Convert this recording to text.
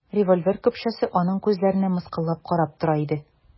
Револьвер көпшәсе аның күзләренә мыскыллап карап тора иде.